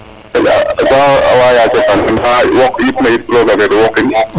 xaƴa sax a wa yaco tane nda yip na yip roga feed o woqin